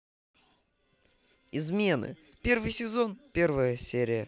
измены первый сезон первая серия